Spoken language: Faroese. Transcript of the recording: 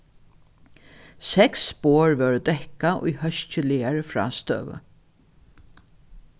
seks borð vóru dekkað í hóskiligari frástøðu